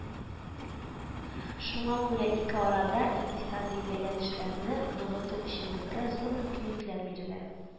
Шуңа күрә ике арада икътисади бәйләнешләрне ныгыту өчен безгә зур мөмкинлекләр бирелә